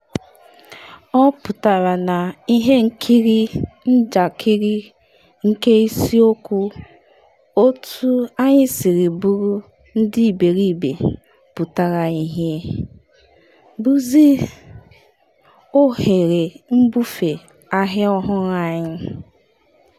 Ọ pụtara na ihe nkiri njakịrị nke isiokwu otu anyị siri bụrụ ndị iberibe pụtara ihie, bụzi oghere nbufe ahịa ọhụrụ anyị?